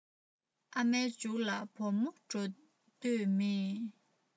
ཨ མའི མཇུག ལ བུ མོ འགྲོ མདོག མེད